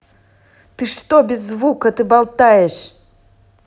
ты что без звука ты болтаешь